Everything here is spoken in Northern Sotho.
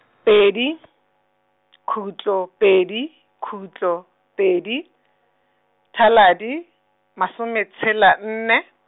pedi, khutlo, pedi, khutlo, pedi, thaladi, masome tshela nne.